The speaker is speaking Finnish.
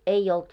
ei ollut